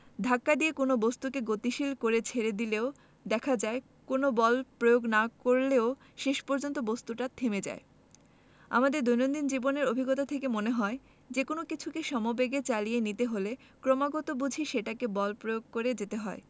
ধাক্কা দিয়ে কোনো বস্তুকে গতিশীল করে ছেড়ে দিলেও দেখা যায় কোনো বল প্রয়োগ না করলেও শেষ পর্যন্ত বস্তুটা থেমে যায় আমাদের দৈনন্দিন জীবনের অভিজ্ঞতা থেকে মনে হয় যেকোনো কিছুকে সমবেগে চালিয়ে নিতে হলে ক্রমাগত বুঝি সেটাতে বল প্রয়োগ করে যেতে হয়